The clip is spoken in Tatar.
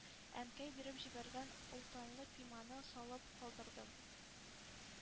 Әнкәй биреп җибәргән олтанлы пиманы салып калдырдым.